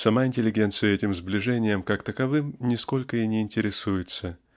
сама интеллигенция этим сближением как таковым нисколько и не интересуется